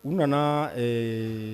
U nanaa ɛɛ